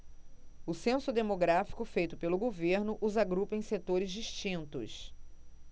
o censo demográfico feito pelo governo os agrupa em setores distintos